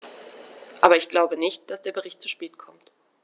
Aber ich glaube nicht, dass der Bericht zu spät kommt.